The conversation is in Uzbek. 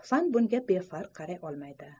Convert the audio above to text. fan bunga befarq qaray olmaydi